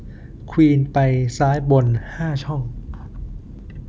ควีนไปซ้ายบนห้าช่อง